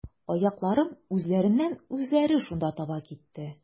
Аякларым үзләреннән-үзләре шунда таба китте.